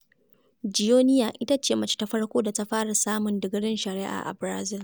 Joenia ita ce mace ta farko da ta fara samun digirin Shari'a a Barazil.